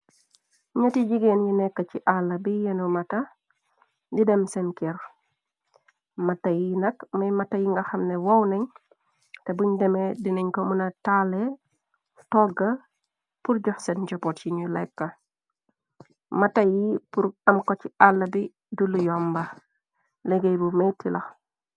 Nyetti jigéen yi nekk ci àlla bi yenu mata di dem seen kir mata yi nak mëy mata yi nga xamne woow nañ te buñ deme dinañ ko muna talle togga pur jox seen jopoot ci ñu lekk mata yi urg am ko ci àlla bi dulu yomba leggéey bu metti la.